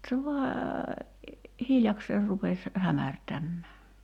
se vain hiljakseen rupesi hämärtämään